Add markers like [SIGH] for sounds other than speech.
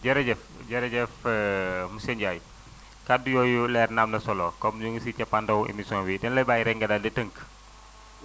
jërëjëf jërëjëf [HESITATION] monsieur Ndiaye kaddu yooyu leer na am na solo comme ñu ngi si cappaandawu émission bi dañu lay bàyyi rek nga daal di tënk